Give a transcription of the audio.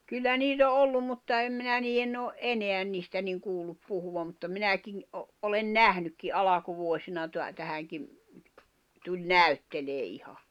kyllä niitä on ollut mutta en minä niiden ole enää niistä niin kuullut puhuvan mutta minäkin - olen nähnytkin alkuvuosina - tähänkin tuli näyttelemään ihan